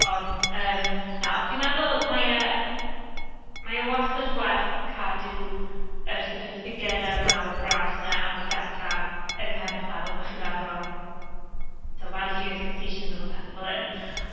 Ond yym... na fi'n meddwl mae e mae wastad werth cadw yr sort of ffigyre mawr bras 'na am y data yng nghefn eich meddwl pan 'y chi'n meddwl am tibod managing expectations efo pethe fel hyn.